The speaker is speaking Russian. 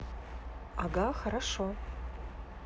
ага хорошо